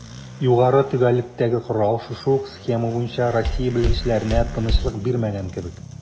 Югары төгәллектәге корал шушы ук схема буенча Россия белгечләренә тынычлык бирмәгән кебек: